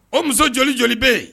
O muso joli joli bɛ yen